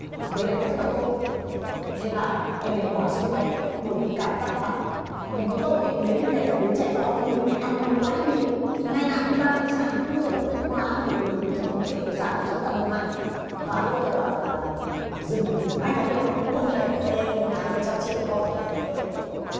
thực tế lại rất thật tốt thế là em về em hỏi sư phụ em bởi vì cảm giác rằng mình có tội nếu mình đẻ ra một đứa trẻ do cái người mẹ ăn nhậu quá nhiều ngày nào cũng đi ba đi sàn ôi rồi thuốc lá rồi mùi thuốc ờ sàn rất là độc hại và lúc đây thầy bảo rằng là dừng nghỉ ngay quán nhậu ôi rồi ôi một tháng mấy trăm triệu của con thầy ơi